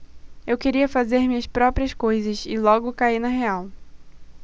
eu queria fazer minhas próprias coisas e logo caí na real